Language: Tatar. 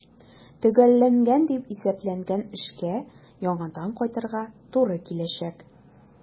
Төгәлләнгән дип исәпләнгән эшкә яңадан кайтырга туры киләчәк.